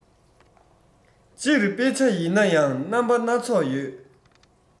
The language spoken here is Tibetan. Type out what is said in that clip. སྤྱིར དཔེ ཆ ཡིན ན ཡང རྣམ པ སྣ ཚོགས ཡོད